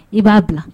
I b'a bila